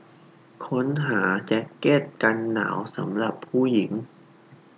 ค้นหาแจ๊กเก็ตกันหนาวสำหรับผู้หญิง